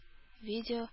Видео